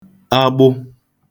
agbụ